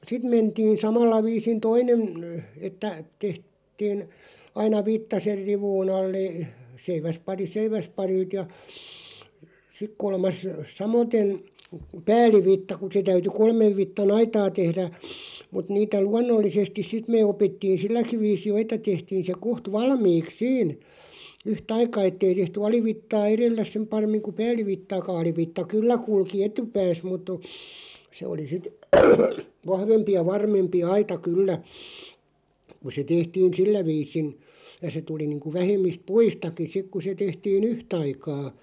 sitten mentiin samalla viisin toinen - että - tehtiin aina vitsa sen rivun alle - seiväspari seiväsparilta ja sitten kolmas samaten päällivitsa kun se täytyi kolmen vitsan aitaa tehdä mutta niitä luonnollisesti sitten me opittiin silläkin viisin jo että tehtiin se kohta valmiiksi siinä yhtä aikaa että ei tehty alivitsaa edellä sen paremmin kuin päällivitsaakaan alivitsa kyllä kulki etupäässä mutta on se oli sitten vahvempi ja varmempi aita kyllä kun se tehtiin sillä viisin ja se tuli niin kuin vähemmistä puistakin sitten kun se tehtiin yhtä aikaa